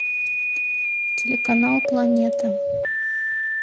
телеканал планета